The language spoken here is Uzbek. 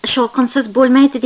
shovqinsiz bo'lmaydi